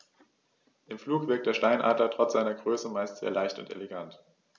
Im Flug wirkt der Steinadler trotz seiner Größe meist sehr leicht und elegant.